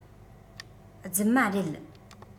རྫུན མ རེད